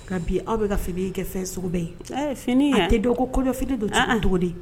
Ka bi aw bɛ ka fili kɛ fɛn sugu bɛɛ ye fini tɛ don kojɔ fini don tɛ an dogo de